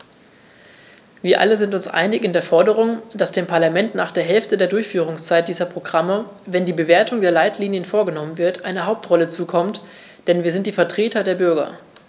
Wir alle sind uns einig in der Forderung, dass dem Parlament nach der Hälfte der Durchführungszeit dieser Programme, wenn die Bewertung der Leitlinien vorgenommen wird, eine Hauptrolle zukommt, denn wir sind die Vertreter der Bürger.